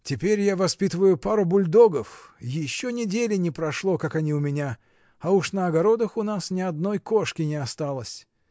Теперь я воспитываю пару бульдогов: еще недели не прошло, как они у меня, а уж на огородах у нас ни одной кошки не осталось.